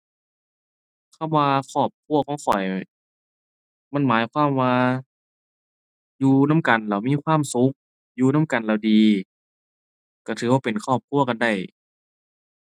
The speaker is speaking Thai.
คำว่าครอบครัวของข้อย มันหมายความว่าอยู่นำกันแล้วมีความสุข อยู่นำกันแล้วดี ก็ถือว่าเป็นครอบครัวกันได้